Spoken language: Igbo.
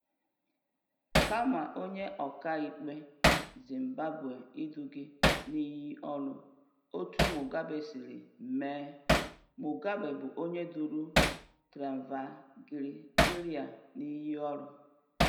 Kama onye ọkàikpe Zimbabwe idu gị n'iyi ọrụ etu Mugabe siri mee, Mugabe bụ onye duru Tsvangirai n'iyi ọrụ.